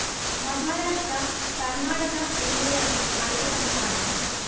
മഹാരാഷ്ട്ര കർണ്ണാടക എന്നിവയാണ് അയൽ സംസ്ഥാനങ്ങൾ